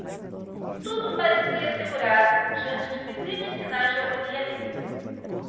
tudo parecia assegurado diante de visíveis sinais de agonia alheia